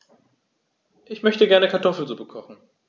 Ich möchte gerne Kartoffelsuppe kochen.